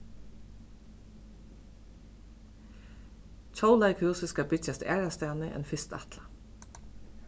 tjóðleikhúsið skal byggjast aðrastaðni enn fyrst ætlað